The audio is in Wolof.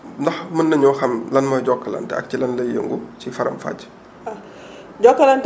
tey ndax mën nañoo xam lan mooy Jokalante ak ci lan lay yëngu ci faram fàcce